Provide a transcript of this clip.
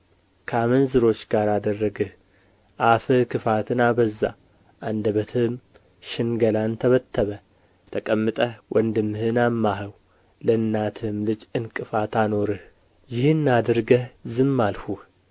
ከአመንዝሮች ጋር አደረግህ አፍህ ክፋትን አበዛ አንደበትህም ሽንገላን ተበተበ ተቀምጠህ ወንድምህን አማኸው ለእናትህም ልጅ ዕንቅፋት አኖርህ ይህን አድርገህ ዝም አልሁህ